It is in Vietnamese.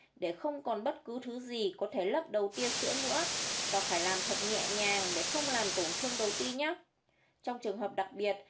để không còn bất cứ thứ gì có thể lấp đầu tia sữa nữa và phải làm nhẹ nhàng để không làm tổn thương đầu ti nhé trong trường hợp đặc biệt